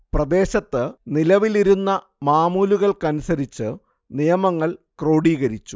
പ്രദേശത്ത് നിലവിലിരുന്ന മാമൂലൂകൾക്കനുസരിച്ച് നിയമങ്ങൾ ക്രോഡീകരിച്ചു